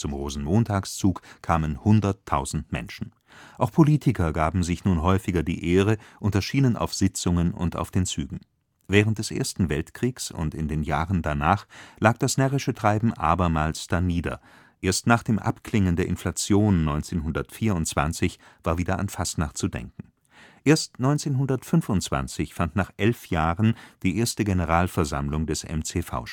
Rosenmontagszug kamen 100.000 Menschen. Auch Politiker gaben sich nun häufiger die Ehre und erschienen auf Sitzungen und auf den Zügen. Während des Ersten Weltkriegs und in den Jahren danach lag das närrische Treiben abermals danieder; erst nach dem Abklingen der Inflation 1924 war wieder an Fastnacht zu denken. Erst 1925 fand nach 11 Jahren die erste Generalversammlung des MCV